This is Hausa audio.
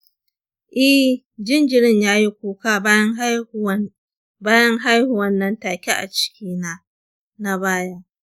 eh, jinjirin yayi kuka bayan haihuwa nan-take a cikina na baya